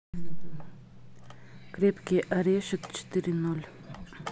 крепкий орешек четыре ноль